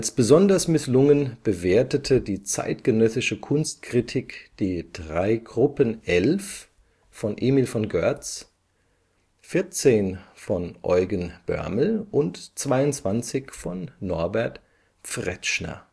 besonders misslungen bewertete die zeitgenössische Kunstkritik die drei Gruppen 11 von Emil von Görtz, 14 von Eugen Boermel und 22 von Norbert Pfretzschner